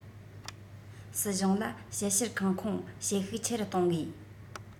སྲིད གཞུང ལ དཔྱད བཤེར ཁང ཁུངས བྱེད ཤུགས ཆེ རུ གཏོང དགོས